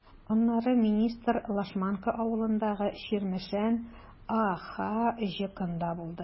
Аннары министр Лашманка авылындагы “Чирмешән” АХҖКында булды.